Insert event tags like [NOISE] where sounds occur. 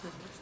[HESITATION] [HESITATION]